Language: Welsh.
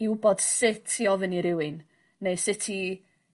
i wbod sut i ofyn i rywun neu sut i